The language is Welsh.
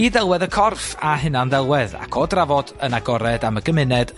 i ddelwedd y corff a hunan-ddelwedd. Ac o drafod yn agored am y gymuned